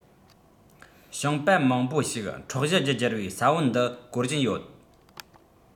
ཞིང པ མང པོ ཞིག འཕྲོག གཞི རྒྱུ སྒྱུར བའི ས བོན འདི བཀོལ བཞིན ཡོད